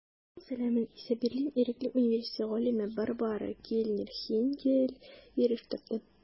Аның сәламен исә Берлин Ирекле университеты галиме Барбара Кельнер-Хейнкель ирештерде.